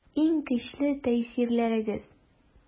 Иң көчле тәэсирләрегез?